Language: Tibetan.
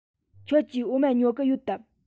ཁྱོད ཀྱིས འོ མ ཉོ གི ཡོད དམ